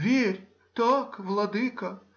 Верь — так, владыко.